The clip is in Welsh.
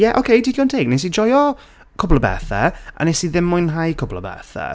Ie, ok digon teg. Wnes i joio cwbl o bethe. A wnes i ddim mwynhau cwbl o bethe.